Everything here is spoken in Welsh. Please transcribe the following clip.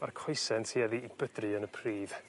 ma'r coese yn tueddu i bydru yn y pridd